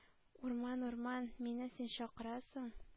Урман, урман, мине син чакрасың,